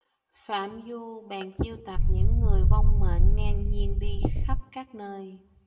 phạm du bèn chiêu tập những người vong mệnh ngang nhiên đi khắp các nơi